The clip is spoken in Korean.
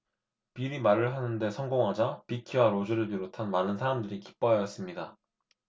빌이 말을 하는 데 성공하자 빅키와 로즈를 비롯한 많은 사람들이 기뻐하였습니다